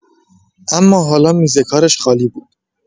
اما حالا میز کارش خالی بود.